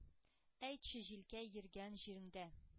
— әйтче, җилкәй, йөргән җиреңдә